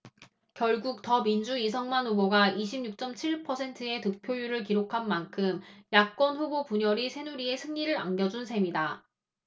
결국 더민주 이성만 후보가 이십 육 쩜 칠 퍼센트의 득표율을 기록한 만큼 야권 후보 분열이 새누리에 승리를 안겨준 셈이다